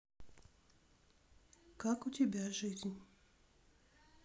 как у тебя жизнь